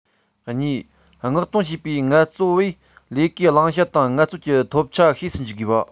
གཉིས མངགས གཏོང བྱས པའི ངལ རྩོལ པར ལས ཀའི བླང བྱ དང ངལ རྩོལ གྱི ཐོབ ཆ ཤེས སུ འཇུག དགོས པ